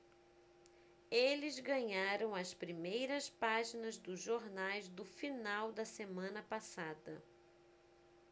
eles ganharam as primeiras páginas dos jornais do final da semana passada